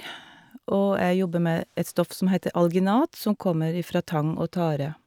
Og jeg jobber med et stoff som heter alginat, som kommer ifra tang og tare.